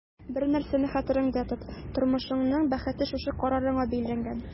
Бер нәрсәне хәтерендә тот: тормышыңның бәхете шушы карарыңа бәйләнгән.